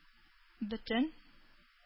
Бөтен